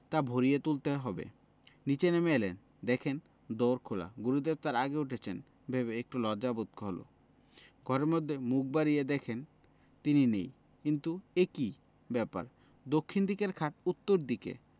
তা ভরিয়ে তুলতে হবে নীচে নেমে এলেন দেখেন দোর খোলা গুরুদেব তাঁর আগে উঠেছেন ভেবে একটু লজ্জা বোধ হলো ঘরের মধ্যে মুখ বাড়িয়ে দেখেন তিনি নেই কিন্তু এ কি ব্যাপার দক্ষিণ দিকের খাট উত্তর দিকে